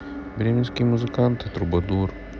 бременские музыканты трубадур